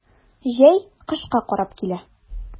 Җәй кышка карап килә.